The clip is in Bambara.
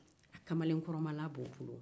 a kamalenkɔrɔ mala b'u bolo